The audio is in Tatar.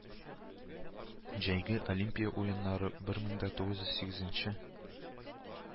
Җәйге Олимпия уеннары бер мен дә тугыз йөз сигезенче